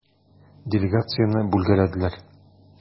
Делегацияне бүлгәләделәр.